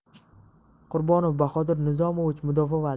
qurbonov bahodir nizomovich mudofaa vaziri